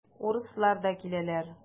Урыслар да киләләр.